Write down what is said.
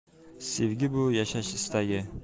sevgi bu yashash istagi